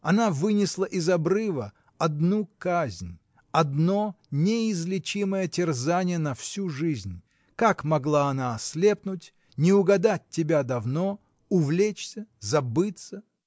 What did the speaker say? Она вынесла из обрыва — одну казнь, одно неизлечимое терзание на всю жизнь: как могла она ослепнуть, не угадать тебя давно, увлечься, забыться!.